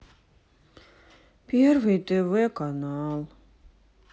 первый тв канал